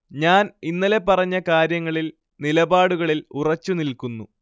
ഞാൻ ഇന്നലെ പറഞ്ഞ കാര്യങ്ങളിൽ, നിലപാടുകളിൽ ഉറച്ചു നിൽക്കുന്നു